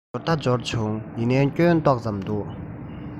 འབྱོར ད འབྱོར བྱུང ཡིན ནའི སྐྱོན ཏོག ཙམ འདུག